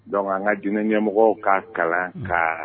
Don an ka jinɛ ɲɛmɔgɔw kaa kalan kan